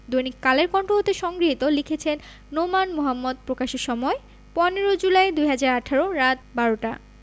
দৈনিক কালের কন্ঠ হতে সংগৃহীত লিখেছেন নোমান মোহাম্মদ প্রকাশের সময় ১৫ জুলাই ২০১৮ রাত ১২ টা